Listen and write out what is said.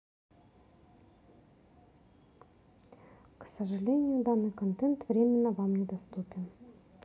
к сожалению данный контент временно вам недоступен